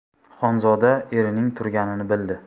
xonzoda erining turganini bildi